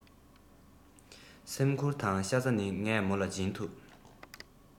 སེམས ཁུར དང ཤ ཚ ནི ངས མོ ལ སྦྱིན ཐུབ